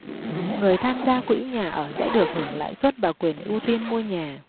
người tham gia quỹ nhà ở sẽ được hưởng lãi suất và quyền ưu tiên mua nhà